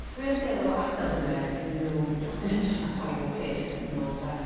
So wi yn dueddol o adel hwnne iddyn n'w yn hytrach na torri bob peth nôl ynde?